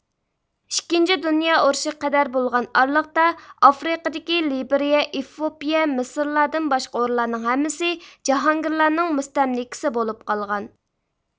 ئىككىنچى دۇنيا ئۇرۇشىغا قەدەر بولغان ئارىلىقتا ئافرىقىدىكى لېبرىيە ئېفىئوپىيە مىسىردىن باشقا ئورۇنلارنىڭ ھەممىسى جاھانگىرلارنىڭ مۇستەملىكىسى بولۇپ قالغان